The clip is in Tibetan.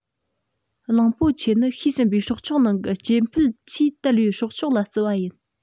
གླང པོ ཆེ ནི ཤེས ཟིན པའི སྲོག ཆགས ནང གི སྐྱེ འཕེལ ཆེས དལ བའི སྲོག ཆགས ལ བརྩི བ ཡིན